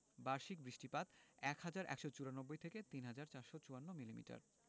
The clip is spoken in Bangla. বার্ষিক বৃষ্টিপাত ১হাজার ১৯৪ থেকে ৩হাজার ৪৫৪ মিলিমিটার